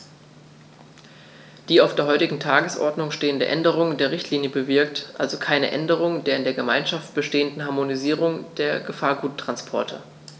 Die auf der heutigen Tagesordnung stehende Änderung der Richtlinie bewirkt also keine Änderung der in der Gemeinschaft bestehenden Harmonisierung der Gefahrguttransporte.